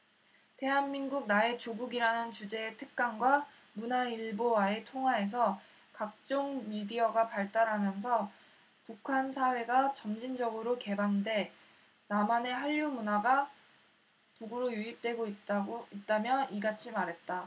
대한민국 나의 조국이라는 주제의 특강과 문화일보와의 통화에서 각종 미디어가 발달하면서 북한 사회가 점진적으로 개방돼 남한의 한류 문화가 북으로 유입되고 있다며 이같이 말했다